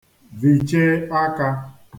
vìche ākā